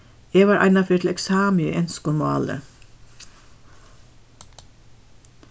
eg var einaferð til eksamiu í enskum máli